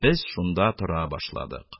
Без шунда тора башладык.